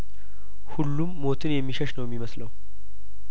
ሁሉም ሞትን የሚሸሽ ነው የሚመስለው